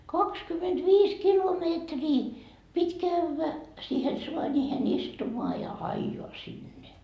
kaksikymmentäviisi kilometriä piti käydä siihen saaniin istumaan ja ajaa sinne